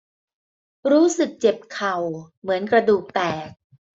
รู้สึกเจ็บเข่าเหมือนกระดูกแตก